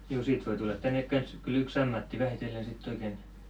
juu siitä voi tulla tänne kanssa kyllä yksi ammatti vähitellen sitten oikein